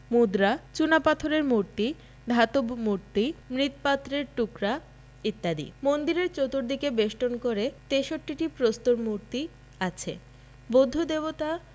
মন্দিরের চতুর্দিকে বেষ্টন করে ৬৩টি প্রস্তর মূর্তি আছে বৌদ্ধ দেবতা